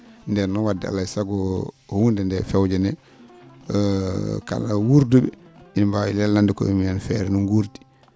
ndeen noon wadde alaa e sago huunde ndee fewjanee kala wuurdu?e ina mbaawi lelnande koye mumen feere no guurdi